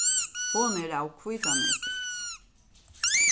hon er av hvítanesi